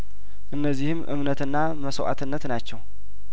እነዚህም እምነትና መስዋእትነት ናቸው